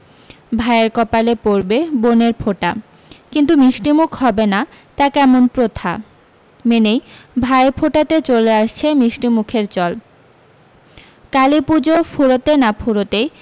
ভাইয়ের কপালে পড়বে বোনের ফোঁটা কিন্তু মিষ্টিমুখ হবে না তা কেমন প্রথা মেনেই ভাইফোঁটাতে চলে আসছে মিষ্টি মুখের চল কালী পূজো ফুরোতে না ফুরোতেই